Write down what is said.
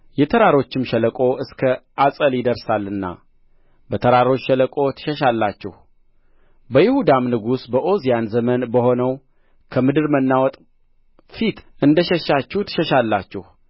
የተራሮችም ሸለቆ እስከ አጸል ይደርሳልና በተራሮች ሸለቆ ትሸሻላችሁ በይሁዳም ንጉሥ በዖዝያን ዘመን ከሆነው ከምድር መናወጥ ፊት እንደ ሸሻችሁ ትሸሻላችሁ